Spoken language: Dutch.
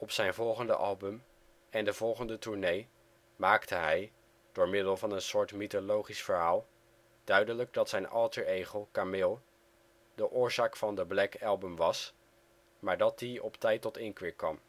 zijn volgende album en de volgende tournee maakte hij, door middel van een soort mythologisch verhaal, duidelijk dat zijn alter ego Camille de oorzaak van The Black Album was, maar dat die op tijd tot inkeer kwam